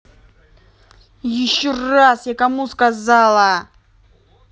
еще раз я кому сказала